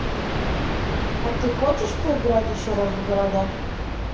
а ты хочешь поиграть еще раз города